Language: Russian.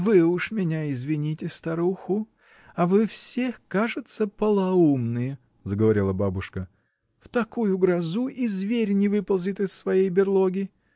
— Вы уж меня извините, старуху, а вы все, кажется, полоумные, — заговорила бабушка, — в такую грозу и зверь не выползет из своей берлоги!.